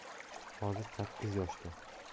hozir sakkiz yoshda